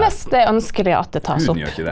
hvis det er ønskelig at det tas opp.